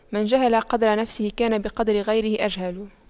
من جهل قدر نفسه كان بقدر غيره أجهل